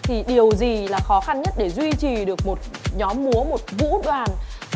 thì điều gì là khó khăn nhất để duy trì được một nhóm múa một vũ đoàn